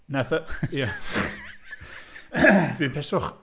Wnaeth y- ie dwi'n peswch.